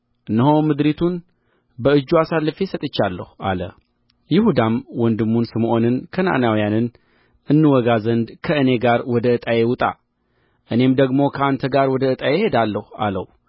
እነሆ ምድሪቱን በእጁ አሳልፌ ሰጥቻለሁ አለ ይሁዳም ወንድሙን ስምዖንን ከነዓናውያንን እንወጋ ዘንድ ከእኔ ጋር ወደ ዕጣዬ ውጣ እኔም ደግሞ ከአንተ ጋር ወደ ዕጣህ እሄዳለሁ አለው